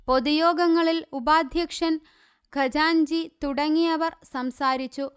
പൊതു യോഗങ്ങളിൽ ഉപാധ്യക്ഷൻ ഖജാന്ജി തുടങ്ങിയവർ സംസാരിച്ചു